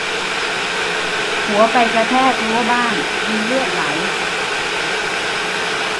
หัวไปกระแทกรั้วบ้านมีเลือดไหล